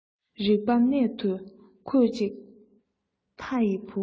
རིག པ གནད དུ ཁོད ཅིག ཕ ཡི བུ